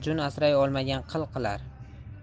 jun asray olmagan qil qilar